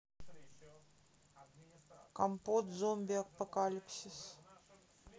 компот зомби апокалипсис